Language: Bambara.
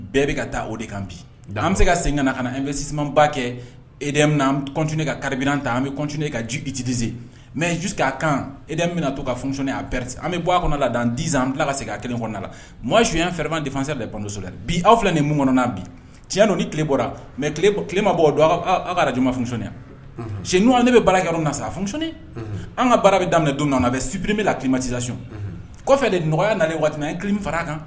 Bɛɛ bɛ ka taa o de kan bi an bɛ se ka segin ka ka na an bɛsiba kɛ ete ka kariinaan ta an bɛte kadzsee mɛ k'a kan e bɛna to ka foni a an bɛ bɔ a kɔnɔ la dan an diz an bila ka segin ka kelen la makan sunjata an fɛma defaso la bi aw fila ni mun kɔnɔna bi tiɲɛ don ni tile bɔra mɛ tilelema bɔo don ka j fufoni tiɲɛ ne bɛ bala kɛ na fsoni an ka bara bɛ daminɛ don nɔn na a bɛ sibiri bɛ la ki tilemasisas kɔfɛ de nɔgɔya nana waati ye kimi fara kan